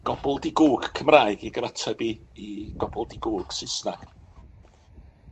Gobl-di-gŵc Cymraeg i gyfateb i i gobl-di-gŵc Saesnag.